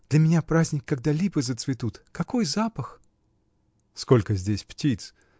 Для меня праздник, когда липы зацветут, — какой запах! — Сколько здесь птиц!